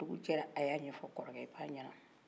dugu jɛra a y'a ɲɛfɔ kɔrɔkɛ ba ɲɛnan